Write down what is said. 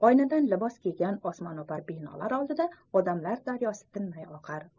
oynadan libos kiygan osmon o'par binolar oldida odamlar daryosi tinmay oqar